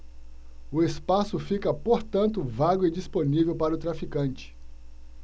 o espaço fica portanto vago e disponível para o traficante